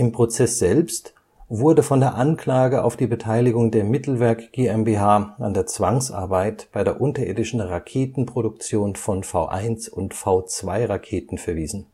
Prozess selbst wurde von der Anklage auf die Beteiligung der Mittelwerk GmbH an der Zwangsarbeit bei der unterirdischen Raketenproduktion (V1 - und V2-Raketen) verwiesen